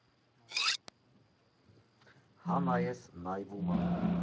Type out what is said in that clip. Հա՜ նայես, նայվում ա։